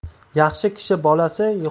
yaxshi kishi bolasi